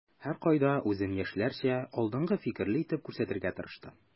Һәркайда үзен яшьләрчә, алдынгы фикерле итеп күрсәтергә тырышты.